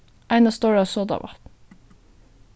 eina stóra sodavatn